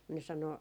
mutta ne sanoi